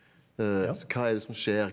altså hva er det som skjer?